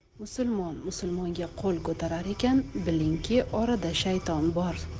musulmon musulmonga qo'l ko'tarar ekan bilingki orada shayton bor